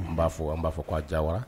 N b'a fo, n b'a fɔ k'a Janwara.